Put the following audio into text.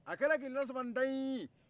a kɛlen k'i lasama n taɲii